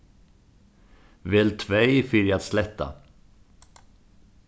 vel tvey fyri at sletta